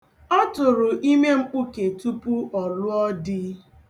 Ọ tụrụ ime mkpuke tupu ọ lụọ di.